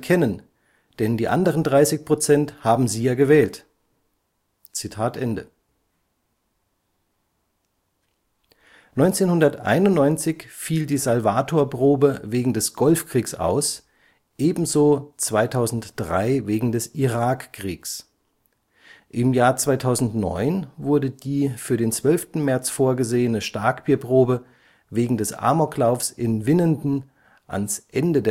1991 fiel die Salvatorprobe wegen des Golfkriegs aus, ebenso 2003 wegen des Irakkriegs. Im Jahr 2009 wurde die für den 12. März vorgesehene Starkbierprobe wegen des Amoklaufs in Winnenden ans Ende